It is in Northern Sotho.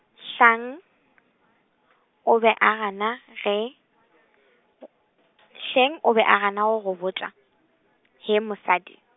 hleng, o be o gana ge, hleng o be a gana go go botša, hee mosadi?